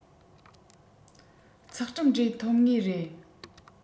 ཚེག གྲུབ འབྲས ཐོབ ངེས རེད